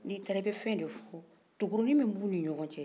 ni taara i b'i fɛ dɔ fɔ tukurunin min b'u ni ɲɔgɔn cɛ